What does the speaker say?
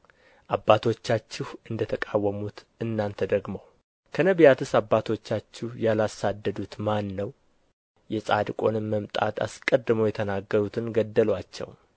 አባቶቻችሁ እንደ ተቃወሙት እናንተ ደግሞ ከነቢያትስ አባቶቻችሁ ያላሳደዱት ማን ነው የጻድቁንም መምጣት አስቀድሞ የተናገሩትን ገደሉአቸው